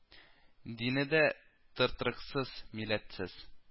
Дине дә тотрыксыз, милләтсез